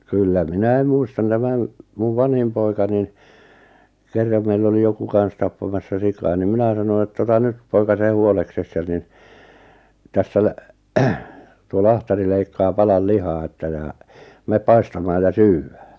kyllä minä muistan tämän minun vanhin poika niin kerran meillä oli joku kanssa tappamassa sikaa niin minä sanoin että ota nyt poika se huoleksesi ja niin tässä - tuo lahtari leikkaa palan lihaa että ja mene paistamaan ja syödään